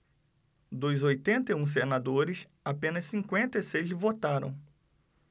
dos oitenta e um senadores apenas cinquenta e seis votaram